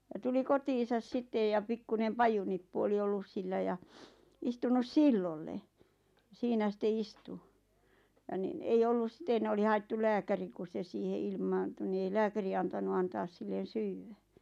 ja tuli kotiinsa sitten ja pikkuinen pajunippu oli ollut sillä ja istunut silloille siinä sitten istui ja niin ei ollut sitten oli haettu lääkäri kun se siihen ilmaantui niin ei lääkäri antanut antaa sille syödä